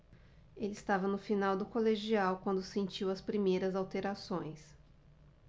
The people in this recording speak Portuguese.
ele estava no final do colegial quando sentiu as primeiras alterações